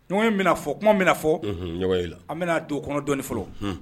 Ɲɔn ye bɛna fɔ kuma bɛ fɔ yɔrɔyla an bɛna don kɔnɔ dɔnɔni fɔlɔ